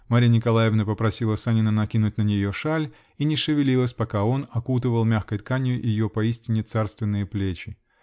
Марья Николаевна попросила Санина накинуть на нее шаль и не шевелилась, пока он окутывал мягкой тканью ее поистине царственные плечи.